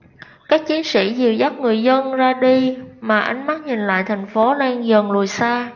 các chiến sĩ dìu dắt người dân ra đi mà ánh mắt nhìn lại thành phố đang dần lùi xa